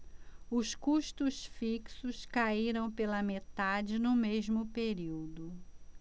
os custos fixos caíram pela metade no mesmo período